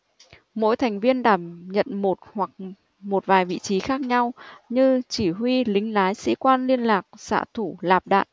mỗi thành viên đảm nhận một hoặc một vài vị trí khác nhau như chỉ huy lính lái sĩ quan liên lạc xạ thủ nạp đạn